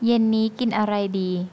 เย็นนี้กินอะไรดี